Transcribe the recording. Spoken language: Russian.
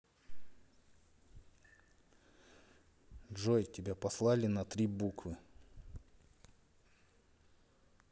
джой тебя послали на три буквы